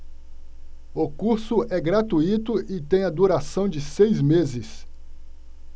o curso é gratuito e tem a duração de seis meses